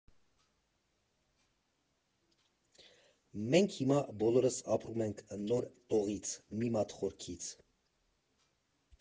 Մենք հիմա բոլորս ապրում ենք նոր տողից, մի մատ խորքից։